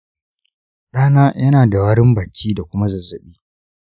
ɗana yana da warin baki da kuma zazzaɓi.